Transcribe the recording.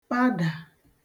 padà